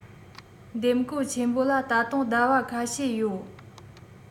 འདེམས བསྐོ ཆེན པོ ལ ད དུང ཟླ བ ཁ ཤས ཡོད